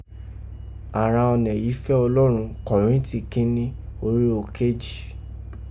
àghan ọnẹ yìí fe ọlọ́rọn korinti kinni orígho keji